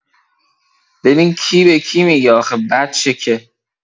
ببین کی به کی می‌گه آخ بچه که